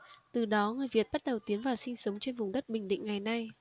từ đó người việt bắt đầu tiến vào sinh sống trên vùng đất bình định ngày nay